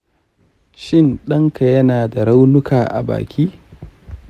shin ɗan ka yana da raunuka a baki?